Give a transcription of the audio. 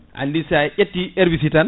andi si a ƴetti herbicide tan